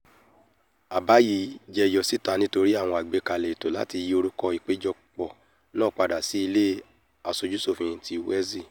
Àbá yìí jeyọ síta nítorí àwọn àgbàkalẹ̀ ètò láti yí orúkọ ìpéjọpọ náà padà sí Ilé Aṣoju-ṣòfin ti Welsh.